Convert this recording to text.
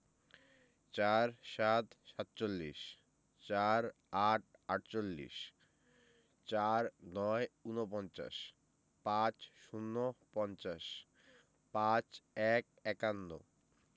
৪৭ - সাতচল্লিশ ৪৮ -আটচল্লিশ ৪৯ – উনপঞ্চাশ ৫০ - পঞ্চাশ ৫১ – একান্ন